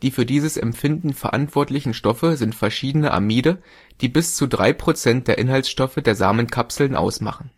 für dieses Empfinden verantwortlichen Stoffe sind verschiedene Amide, die bis zu 3 % der Inhaltsstoffe der Samenkapseln ausmachen